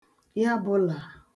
yabụlà